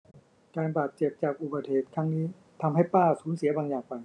การบาดเจ็บจากอุบัติเหตุครั้งนี้ทำให้ป้าสูญเสียบางอย่างไป